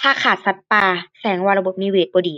ถ้าขาดสัตว์ป่าแสดงว่าระบบนิเวศบ่ดี